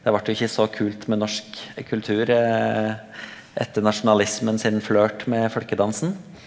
det vart jo ikkje så kult med norsk kultur etter nasjonalismen sin flørt med folkedansen.